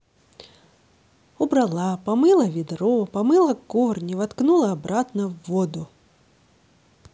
убрала помыла ведро помыла корни воткнула обратно в воду